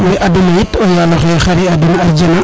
we aduna yit o yalo xe xare a den aljana